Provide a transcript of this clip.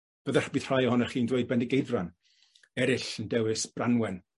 byddech bydd rhai ohonoch chi'n dweud Bendigeidfran, eryll yn dewis Branwen.